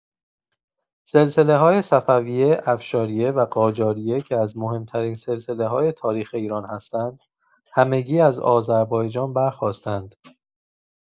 سلسله‌های صفویه، افشاریه و قاجاریه که از مهم‌ترین سلسله‌های تاریخ ایران هستند، همگی از آذربایجان برخاستند.